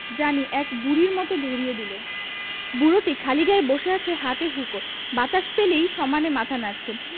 জানি এক বুড়ির মত ধরিয়ে দিল বুড়োটি খালি গায়ে বসে আছে হাতে হুঁকো বাতাস পেলেই সমানে মাথা নাড়ছে